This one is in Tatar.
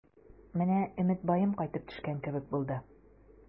Менә Өметбаем кайтып төшкән кебек булды.